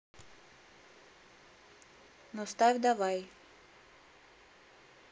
ну ставь давай